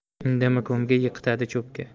indama ko'pga yiqitadi cho'pga